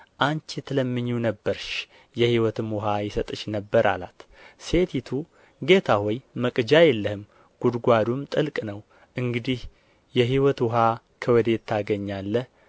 አንቺ ትለምኚው ነበርሽ የሕይወትም ውኃ ይሰጥሽ ነበር አላት ሴቲቱ ጌታ ሆይ መቅጃ የለህም ጕድጓዱም ጥልቅ ነው እንግዲህ የሕይወት ውኃ ከወዴት ታገኛለህ